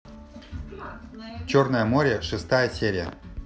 черное море шестая серия